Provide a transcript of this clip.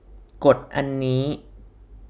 กดอันนี้